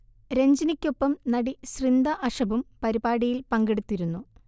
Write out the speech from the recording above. രഞ്ജിനിയ്ക്കൊപ്പം നടി സൃന്ദ അഷബും പരിപാടിയിൽ പങ്കെടുത്തിരുന്നു